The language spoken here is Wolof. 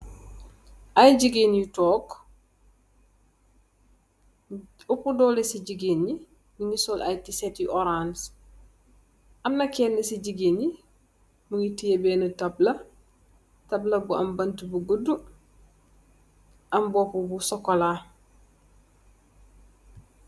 Ay jigeen yu tog opah doleh si jigeen yi nyu gi sol ay t-shirt yu orance amna kena si jigeen yi mogi tiyeh bena tabla tabla bu am banta bu godu am mbopa bu chocola.